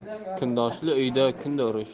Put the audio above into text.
kundoshli uyda kunda urush